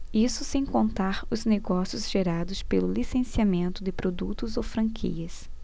isso sem contar os negócios gerados pelo licenciamento de produtos ou franquias